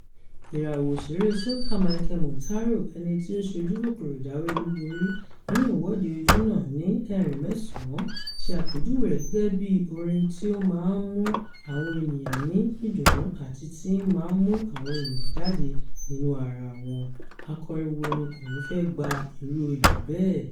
Ìràwọ̀ òṣèrée soca Machel Montano, ẹni tí ó ṣe ojúkòkòrò jáwé olúborí nínú Ìwọ́de Ojúnà ní ẹ̀rìnmẹ́sàn-án, ṣe àpèjúwe rẹ̀ gẹ́gẹ́ bí "orin tí ó máa ń mú àwọn ènìyàn ní ìdùnnú àti tí máa ń mú àwọn ènìyàn jáde nínú ara wọn" — akọrin wo ni kò ní fẹ́ gba irú oyè bẹ́ẹ̀?